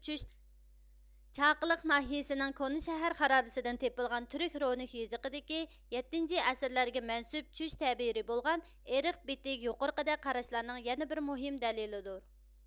چاقىلىق ناھىيىسىنىڭ كونا شەھەر خارابىسىدىن تېپىلغان تۈرك رونىك يېزىقىدىكى يەتتىنچى ئەسىرلەرگە مەنسۇپ چۈش تەبىرى بولغان ئىرىق بىتىگ يۇقىرىقىدەك قاراشلارنىڭ يەنە بىر مۇھىم دەلىلىدۇر